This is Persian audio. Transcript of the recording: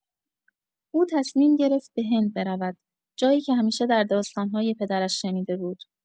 او تصمیم گرفت به هند برود، جایی که همیشه در داستان‌های پدرش شنیده بود.